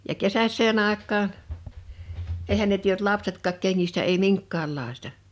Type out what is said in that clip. ja kesäiseen aikaan eihän ne tiennyt lapsetkaan kengistä ei minkäänlaista